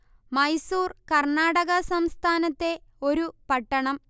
മൈസൂർ കർണാടക സംസ്ഥാനത്തെ ഒരു പട്ടണം